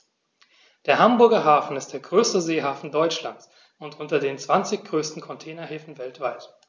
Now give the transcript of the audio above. Der Hamburger Hafen ist der größte Seehafen Deutschlands und unter den zwanzig größten Containerhäfen weltweit.